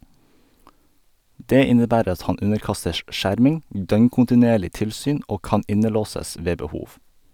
Det innebærer at han underkastes skjerming, døgnkontinuerlig tilsyn og kan innelåses ved behov.